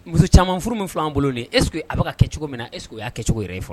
Muso caman furu min fila bolo eseke a bɛ ka kɛcogo min na eseke y'a kɛcogo yɛrɛ ye fɔ